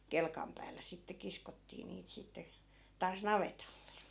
kelkan päällä sitten kiskottiin niitä sitten taas navetalle